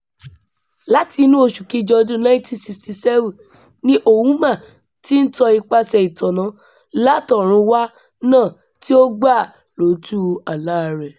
Láti inú oṣù kejì ọdún-un 1967, ni Ouma ti ń tọ ipasẹ̀ẹ ìtọ́nà látọ̀run wá náà tí ó gbà Iójú àláa rẹ̀.